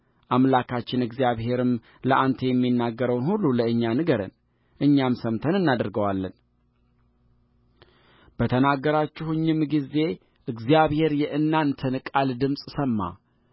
አምላካችን እግዚአብሔርም ለአንተ የሚናገረውን ሁሉ ለእኛ ንገረን እኛም ሰምተን እናደርገዋለንበተናገራችሁኝም ጊዜ እግዚአብሔር የእናንተን ቃል ጽምፅ ሰማ